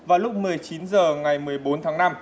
vào lúc mười chín giờ ngày mười bốn tháng năm